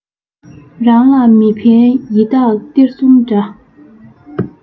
རང ལ མི ཕན ཡི དྭགས གཏེར སྲུང འདྲ